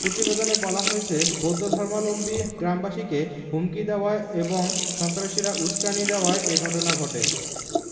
প্রতিবেদনে বলা হয়েছে বৌদ্ধ ধর্মাবলম্বী গ্রামবাসীকে হুমকি দেওয়ায় এবং সন্ত্রাসীরা উসকানি দেওয়ায় এ ঘটনা ঘটে